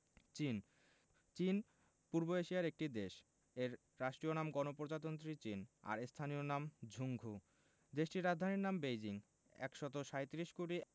চীনঃ চীন পূর্ব এশিয়ার একটি দেশ এর রাষ্ট্রীয় নাম গণপ্রজাতন্ত্রী চীন আর স্থানীয় নাম ঝুংঘু দেশটির রাজধানীর নাম বেইজিং ১৩৭ কোটি